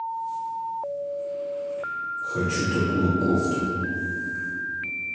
хочу такую кофту